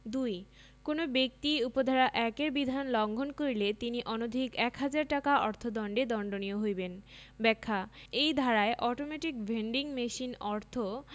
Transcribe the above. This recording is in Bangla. ২ কোন ব্যক্তি উপ ধারা ১ এর বিধান লংঘন করিলে তিনি অনধিক এক হাজার টাকা অর্থ দন্ডে দন্ডনীয় হইবেন ব্যাখ্যাঃ এই ধারায় অটোমেটিক ভেন্ডিং মেশিন অর্থ